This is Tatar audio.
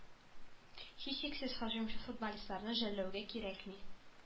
Һичшиксез һөҗүмче футболистларны жәллэүгә кирәкми.